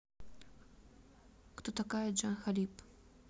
кто такая jan khalib